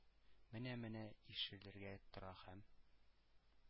Менә-менә ишелергә тора һәм